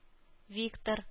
Виктор